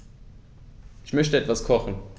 Ich möchte etwas kochen.